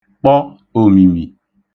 kpọ òmìmì